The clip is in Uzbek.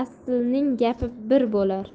aslning gapi bir bo'lar